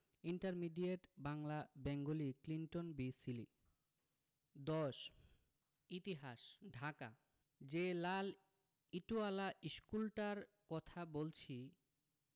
intermediate Bangla Bengali Clinton B Seely ১০ ইতিহাস ঢাকা যে লাল ইটোয়ালা ইশকুলটার কথা বলছি